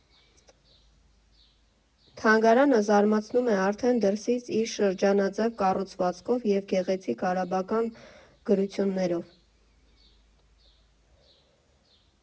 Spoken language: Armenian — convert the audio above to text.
Թանգարանը զարմացնում է արդեն դրսից՝ իր շրջանաձև կառուցվածքով և գեղեցիկ արաբական գրություններով։